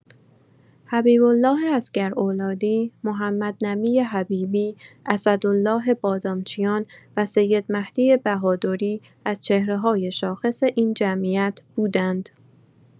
حبیب‌الله عسگراولادی، محمدنبی حبیبی، اسدالله بادامچیان و سیدمهدی بهادری از چهره‌های شاخص این جمعیت بودند.